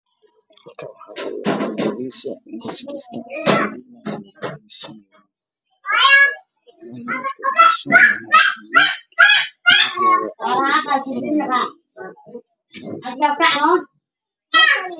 Waa wiil yar ooqabo shaati caday carruurta